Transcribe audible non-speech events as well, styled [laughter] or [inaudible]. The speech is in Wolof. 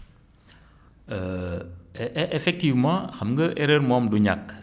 [hesitation] effectivement xam nga erreur moom du ñàkk